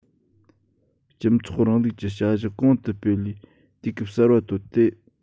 སྤྱི ཚོགས རིང ལུགས ཀྱི བྱ གཞག གོང དུ སྤེལ བའི དུས སྐབས གསར པ བཏོད དེ